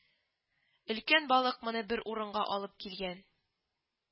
Өлкән балык моны бер урынга алып килгән